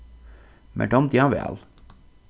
mær dámdi hann væl